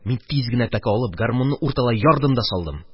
Мин, тиз генә пәке алып, гармунны урталай ярдым да салдым.